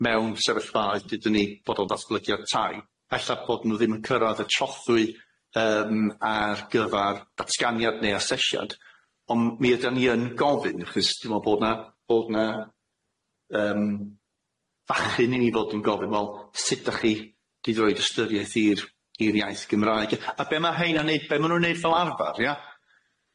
mewn sefyllfaoedd dydyn ni bod o'n datglydiad tai ella bod nw ddim yn cyrradd y trothwy yym ar gyfar datganiad neu asesiad on' mi ydan ni yn gofyn achos dwi me'wl bod na bod na yym fachyn i ni fod yn gofyn wel sud dach chi di roid ystyriaeth i'r i'r iaith Gymraeg a be' ma' heina'n neud be' ma' nw'n neud fel arfar ia?